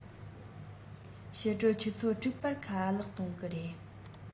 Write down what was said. ཕྱི དྲོ ཆུ ཚོད དྲུག པར ཁ ལག གཏོང གི རེད